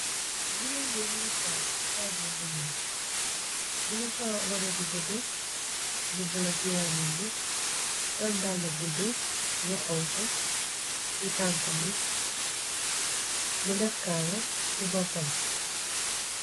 Jigéen bi ma ngi toog ci kawbak bu ñoo më ngi so roba bu budd bu bulo ci yaramam bi sal dàll budd yu xonxo ci tanka bi mu def kaala ci boppam.